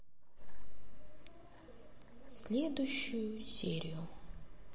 следующую серию